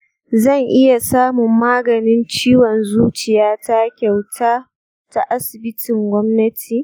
zan iya samun maganin ciwon zuciyata kyauta ta asibitin gwamnati?